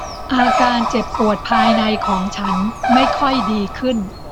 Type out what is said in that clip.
อาการเจ็บปวดภายในของฉันไม่ค่อยดีขึ้น